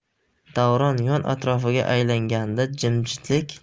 davron yon atrofiga alangladi jimjitlik